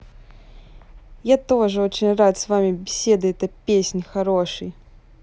я тоже очень рад с вами беседой то песнь хороший